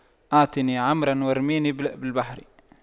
اعطني عمرا وارميني بالبحر